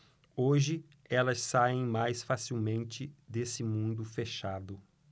hoje elas saem mais facilmente desse mundo fechado